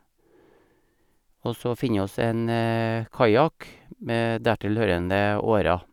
Og så finne oss en kajak med dertil hørende årer.